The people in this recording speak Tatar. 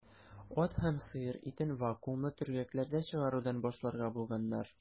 Ат һәм сыер итен вакуумлы төргәкләрдә чыгарудан башларга булганнар.